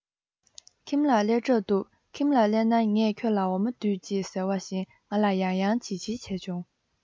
ཁྱིམ ལ སླེབས གྲབས འདུག ཁྱིམ ལ སླེབས ན ངས ཁྱོད ལ འོ མ ལྡུད ཅེས ཟེར བཞིན ང ལ ཡང ཡང བྱིལ བྱས བྱུང